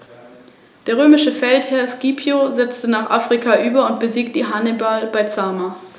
Das rhöntypische offene, strukturreiche Grünland mit hoher Biotopwertigkeit fällt größtenteils in die Pflegezone.